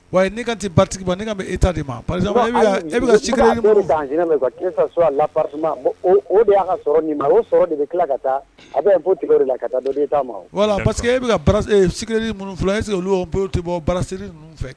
Wa e de tilaseke ese bɔ fɛ